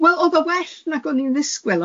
Wel o'dd o well nag o'n i'n ddisgwyl.